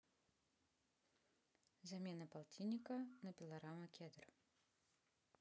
замена полтинника на пилорама кедр